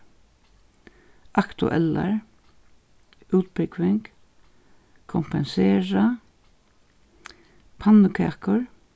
aktuellar útbúgving kompensera pannukakur